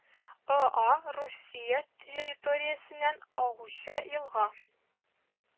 Ыа Русия территориясеннән агучы елга